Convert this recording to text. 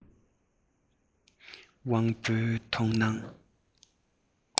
དབང པོའི མཐོང སྣང